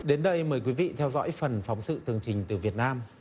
đến đây mời quý vị theo dõi phần phóng sự tường trình từ việt nam